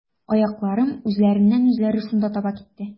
Аякларым үзләреннән-үзләре шунда таба китте.